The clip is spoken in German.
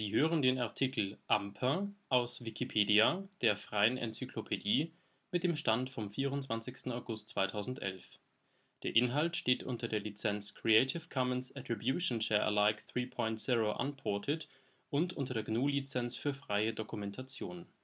hören den Artikel Amper, aus Wikipedia, der freien Enzyklopädie. Mit dem Stand vom Der Inhalt steht unter der Lizenz Creative Commons Attribution Share Alike 3 Punkt 0 Unported und unter der GNU Lizenz für freie Dokumentation